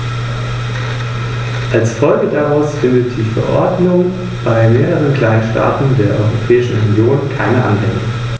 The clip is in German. Oder denken Sie an Schiffer von osteuropäischen Schiffen, die hier neben anderen ankern und von denen ganz offensichtlich Gefahren ausgehen.